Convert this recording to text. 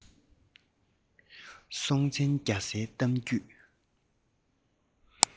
སྲོང བཙན རྒྱ བཟའི གཏམ རྒྱུད